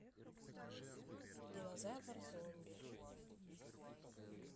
динозавр зомби